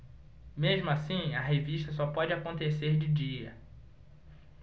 mesmo assim a revista só pode acontecer de dia